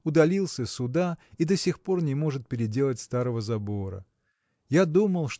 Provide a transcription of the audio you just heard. удалился сюда и до сих пор не может переделать старого забора. Я думал